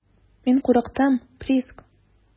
Мин курыктым, Приск.